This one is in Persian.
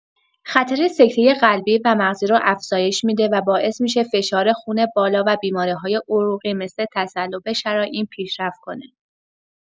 خطر سکته قلبی و مغزی رو افزایش می‌ده و باعث می‌شه فشار خون بالا و بیماری‌های عروقی مثل تصلب شرائین پیشرفت کنه.